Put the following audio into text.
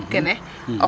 kene